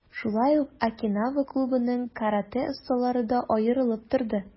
Шулай ук, "Окинава" клубының каратэ осталары да аерылып торды.